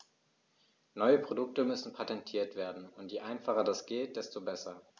Neue Produkte müssen patentiert werden, und je einfacher das geht, desto besser.